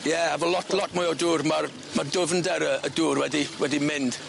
Ie efo lot lot mwy o dŵr ma'r ma'r dwfnder yy y dŵr wedi wedi mynd.